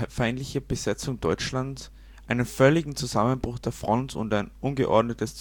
feindliche Besetzung Deutschlands, einen völligen Zusammenbruch der Front und ein ungeordnetes